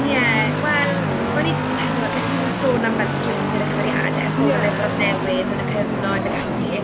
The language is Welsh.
Ie. Wel o'n i jyst yn meddwl gallwn ni fod yn sôn am fel strwythyr y cymeriadau a... ie. ...sôn am Efrog Newydd yn y cyfnod ac ati.